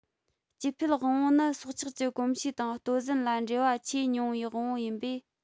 སྐྱེ འཕེལ དབང པོ ནི སྲོག ཆགས ཀྱི གོམས གཤིས དང ལྟོ ཟན ལ འབྲེལ བ ཆེས ཉུང བའི དབང པོ ཡིན པས